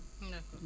d' accord